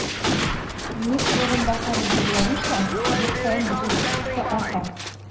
Министр урынбасары билгеләвенчә, ел саен бюджет дефициты арта.